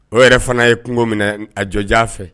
O yɛrɛ fana ye kungo minɛ a jɔjan fɛ